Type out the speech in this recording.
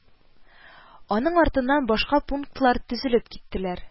Аның артыннан башка пунктлар тезелеп киттеләр